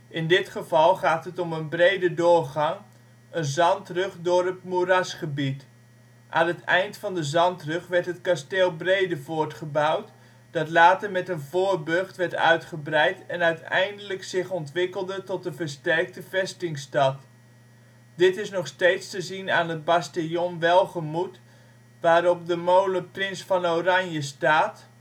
In dit geval gaat het om een brede doorgang, een zandrug door het moerasgebied. Aan het eind van de zandrug werd het Kasteel Bredevoort gebouwd dat later met een voorburcht werd uitgebreid en uiteindelijk zich ontwikkelde tot een versterkte vestingstad. Dit is nog steeds te zien aan het bastion Welgemoed waarop de molen " prins van Oranje " staat